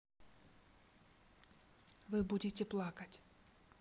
вы будете плакать